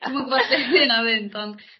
Dwi'm yn gwbo lle ma' hynna fynd ond